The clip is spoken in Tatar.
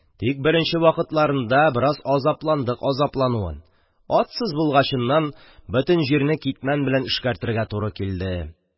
Тик беренче вакытларында бераз азапландык азаплануын: атсыз булгачыннан, бөтен җирне китмән белән эшкәртергә туры килде.